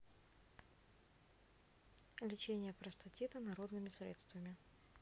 лечение простатита народными средствами